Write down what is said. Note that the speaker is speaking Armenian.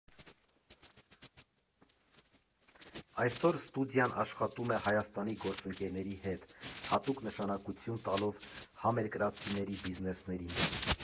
Այսօր ստուդիան աշխատում է Հայաստանի գործընկերների հետ, հատուկ նշանակություն տալով համերկրացիների բիզնեսներին։